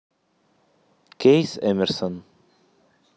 keith emerson